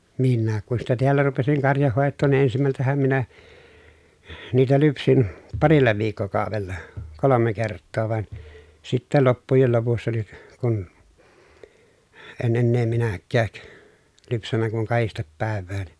minäkin kun sitä täällä rupesin karjanhoitoon niin ensimmältähän minä niitä lypsin parilla viikkokaudella kolme kertaa vaan sitten loppujen lopussa niin kun en enää minäkään lypsänyt kuin kahdesti päivään